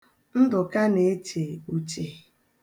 Ndụka na-eche uche.